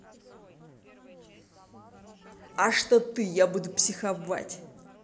а что ты я буду психовать